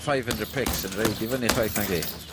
five undred pics yn roid i fynny chwaith nagi?